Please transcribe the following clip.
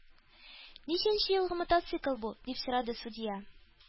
Ничәнче елгы мотоцикл бу? – дип сорады судья.